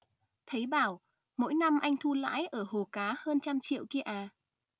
thấy bảo mỗi năm anh thu lãi ở hồ cá hơn trăm triệu kia à